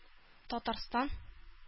Татарстан